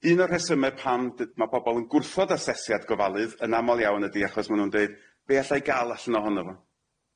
Un o'r rhesyme pam dy- ma' pobol yn gwrthod asesiad gofalydd yn amal iawn ydi achos ma' nw'n deud be' allai ga'l allan ohono fo?